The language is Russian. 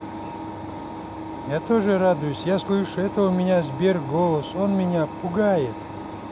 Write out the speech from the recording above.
я тоже радуюсь я слышу это у меня сбер голос он меня пугает